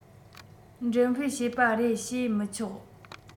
འགྲེམས སྤེལ བྱས པ རེད བྱེད མི ཆོག